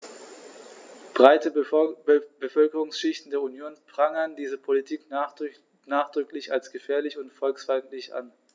Breite Bevölkerungsschichten der Union prangern diese Politik nachdrücklich als gefährlich und volksfeindlich an.